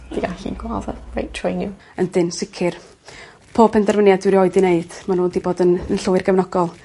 dwi gallu reit trwy n'w. Yndyn sicir. Pob penderfyniad dwi rioed 'di wneud man n'w 'di bod yn yn llwyr gefnogol.